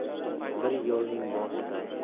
bir yo'lning boshida